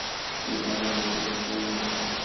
bekordan bekorga kulaverishadi